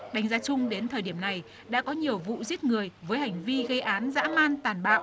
đánh giá chung đến thời điểm này đã có nhiều vụ giết người với hành vi gây án dã man tàn bạo